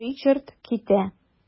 Ричард китә.